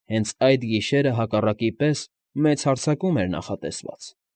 Հենց այդ գիշերը հակառակի պես մեծ հարձակում էր նախատեսված։